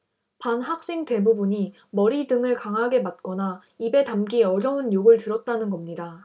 반 학생 대부분이 머리 등을 강하게 맞거나 입에 담기 어려운 욕을 들었다는 겁니다